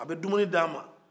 a bɛ dumuni d'an man